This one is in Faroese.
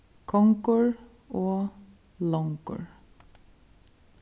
kongur og longur